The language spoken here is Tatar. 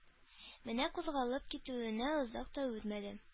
Менә кузгалып китүенә озак та үтмәде